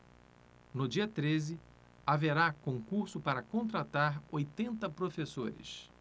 no dia treze haverá concurso para contratar oitenta professores